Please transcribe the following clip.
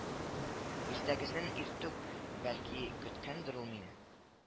Иртәгесен иртүк, бәлки, көткәндер ул мине